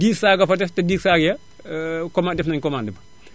10 saag a fa des te 10 saag ya comman def nañu commande ba